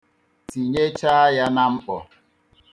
Tinyecha ya na mkpo.̣